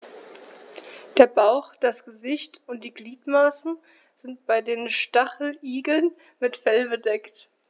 Der Bauch, das Gesicht und die Gliedmaßen sind bei den Stacheligeln mit Fell bedeckt.